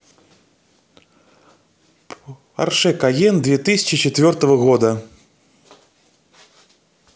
porsche cayenne две тысячи четвертого года